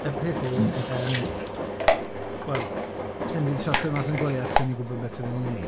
Y peth yw, yym... Wel, 'sen ni 'di sortio mas yn glouach 'sen ni'n gwbod beth oedden ni'n wneud.